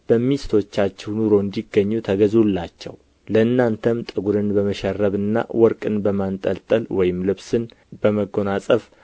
በሚስቶቻቸው ኑሮ እንዲገኙ ተገዙላቸው ለእናንተም ጠጕርን በመሸረብና ወርቅን በማንጠልጠል ወይም ልብስን በመጎናጸፍ